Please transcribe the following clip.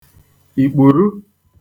ìkpùru